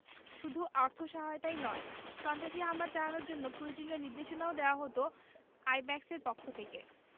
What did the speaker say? শুধু অর্থসহায়তাই নয় সন্ত্রাসী হামলা চালানোর জন্য প্রয়োজনীয় নির্দেশনাও দেওয়া হতো আইব্যাকসের পক্ষ থেকে